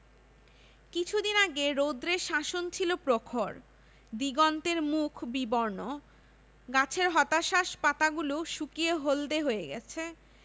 কিছুদিন আগে রৌদ্রের শাসন ছিল প্রখর দিগন্তের মুখ বিবর্ণ গাছের হতাশ্বাস পাতাগুলো শুকিয়ে হলদে হয়ে গেছে